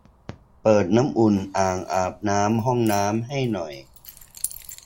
เปิดน้ำอุ่นอ่างอาบน้ำห้องน้ำให้หน่อย